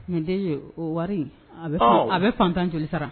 o wari a bɛ faantan joli sara